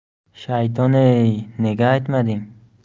shaytoney nega aytmading